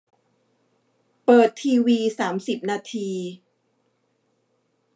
เปิดทีวีสามสิบนาที